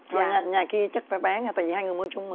vâng ạ nhà kia chắc bán tại hai người mua chung mà